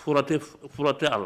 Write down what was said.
Fura tɛ ala